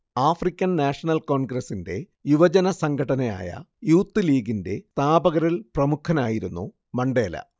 African National കോൺഗ്രസ്സിന്റെ യുവജനസംഘടനയായ Youth ലീഗിന്റെ സ്ഥാപകരിൽ പ്രമുഖനായിരുന്നു മണ്ടേല